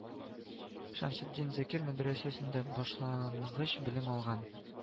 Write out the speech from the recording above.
Шәмсетдин Зәки мәдрәсәсендә башлангыч белем алган